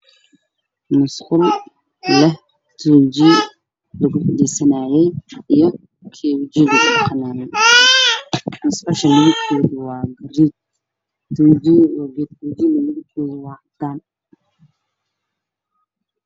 Waa musqul waxay leedahay tuuji iyo kan wajiga lugu dhaqdo, musqusha midabkeedu waa garee, tuujigu waa cadaan.